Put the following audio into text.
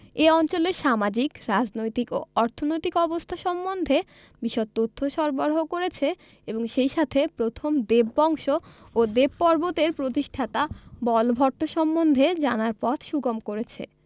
এ অঞ্চলের সামাজিক রাজনৈতিক ও অর্থনৈতিক অবস্থা সম্বন্ধে বিশদ তথ্য সরবরাহ করেছে এবং সেই সাথে প্রথম দেব বংশ ও দেবপর্বত এর প্রতিষ্ঠাতা বলভট্ট সম্বন্ধে জানার পথ সুগম করেছে